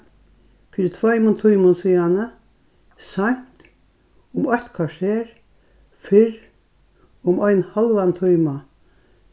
fyri tveimum tímum síðani seint um eitt korter fyrr um ein hálvan tíma